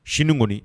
Sini kɔniɔni